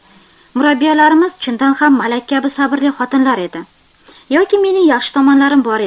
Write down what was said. murabiyalarimiz chindan ham malak kabi sabrli xotinlar edi yoki mening yaxshi tomonlarim bor edi